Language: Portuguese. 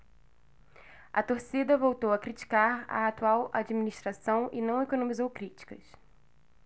a torcida voltou a criticar a atual administração e não economizou críticas